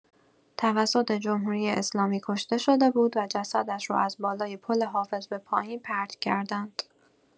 توسط جمهوری‌اسلامی کشته‌شده بود و جسدش رو از بالای پل حافظ به پایین پرت کردند.